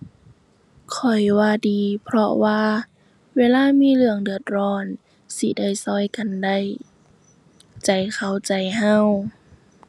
ข้อยว่าดีเพราะว่าเวลามีเรื่องเดือดร้อนสิได้ช่วยกันได้ ใจเขาใจช่วย